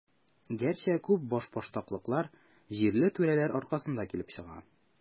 Гәрчә, күп башбаштаклыклар җирле түрәләр аркасында килеп чыга.